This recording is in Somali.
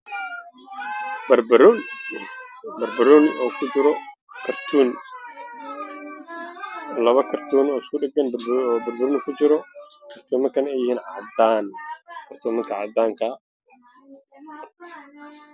Meeshan waxaa yaalla bambanooni